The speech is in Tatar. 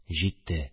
Җитте